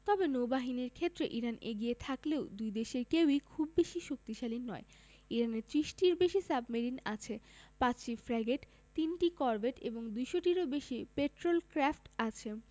তবে নৌবাহিনীর ক্ষেত্রে ইরান এগিয়ে থাকলেও দুই দেশের কেউই খুব বেশি শক্তিশালী নয় ইরানের ৩০টির বেশি সাবমেরিন আছে ৫টি ফ্র্যাগেট ৩টি করভেট এবং ২০০ টিরও বেশি পেট্রল ক্র্যাফট আছে